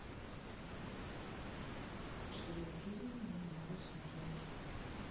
какие фильмы я могу смотреть